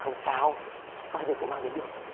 không sao bao giờ cậu mang đến được